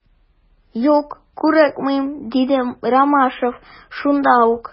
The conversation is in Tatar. Юк, курыкмыйм, - диде Ромашов шунда ук.